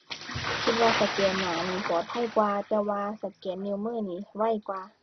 คิดว่าสแกนหน้านี่ปลอดภัยกว่า แต่ว่าสแกนนิ้วมือนี่ไวกว่า